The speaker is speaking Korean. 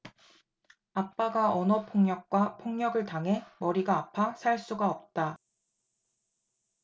아빠가 언어폭력과 폭력을 당해 머리가 아파 살 수가 없다